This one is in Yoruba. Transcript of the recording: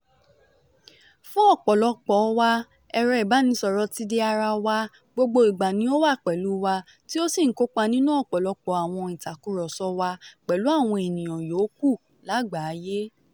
Fún ọ̀pọ̀lọpọ̀ wa, ẹ̀rọ ìbánisọ̀rọ̀ ti di ara wa - gbogbo ni ó wà pẹ̀lú wa, tí ó sì ń kópa nínú ọ̀pọ̀lọpọ̀ àwọn ìtàkurọ̀sọ̀ wa pẹ̀lú àwọn ènìyàn yòókù lágbàáyé.